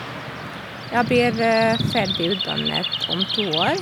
Jeg blir ferdig utdannet om to år.